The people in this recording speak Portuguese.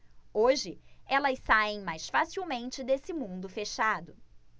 hoje elas saem mais facilmente desse mundo fechado